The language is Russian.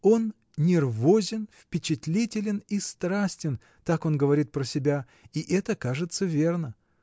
Он “нервозен, впечатлителен и страстен”: так он говорит про себя — и это, кажется, верно.